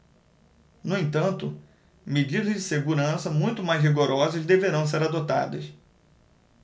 no entanto medidas de segurança muito mais rigorosas deverão ser adotadas